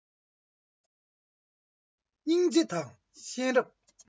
སྙིང རྗེ དང ཤེས རབ